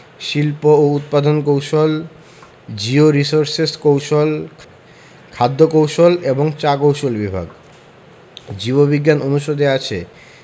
শিল্প ও উৎপাদন কৌশল জিওরির্সোসেস কৌশল খাদ্য কৌশল এবং চা কৌশল বিভাগ জীব বিজ্ঞান অনুষদে আছে